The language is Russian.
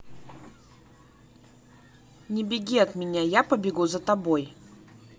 не беги от меня я побегу за тобой